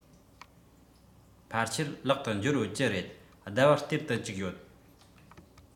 ཕལ ཆེར ལག ཏུ འབྱོར ཡོད ཀྱི རེད ཟླ བར སྟེར དུ བཅུག ཡོད